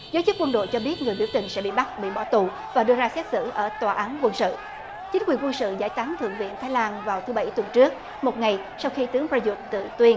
giới chức quân đội cho biết người biểu tình sẽ bị bắt bị bỏ tù và đưa ra xét xử ở tòa án quân sự chính quyền quân sự giải tán thượng viện thái lan vào thứ bảy tuần trước một ngày sau khi tướng rây dột tự tuyên